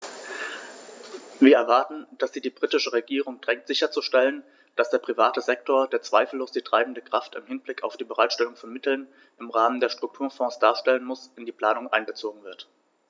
Wir erwarten, dass sie die britische Regierung drängt sicherzustellen, dass der private Sektor, der zweifellos die treibende Kraft im Hinblick auf die Bereitstellung von Mitteln im Rahmen der Strukturfonds darstellen muss, in die Planung einbezogen wird.